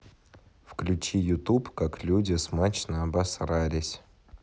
включи ютуб как люди смачно обосрались